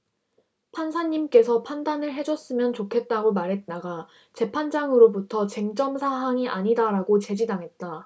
판사님께서 판단을 해줬으면 좋겠다고 말했다가 재판장으로부터 쟁점 사항이 아니다라고 제지당했다